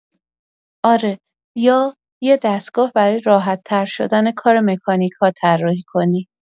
آره، یا یه دستگاه برای راحت‌تر شدن کار مکانیک‌ها طراحی کنی.